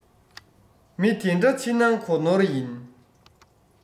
མི དེ འདྲ ཕྱི ནང གོ ནོར ཡིན